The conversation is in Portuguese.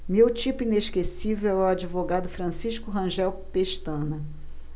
meu tipo inesquecível é o advogado francisco rangel pestana